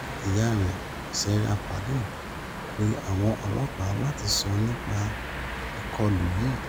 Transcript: Ìyá rẹ̀, Sarah Palin, pe àwọn ọlọ́pàá láti ṣo nípa ìkọlù yìí.